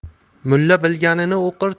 mulla bilganin o'qir